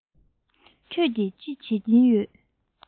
ཁྱོད ཀྱིས ཅི བྱེད ཀྱིན ཡོད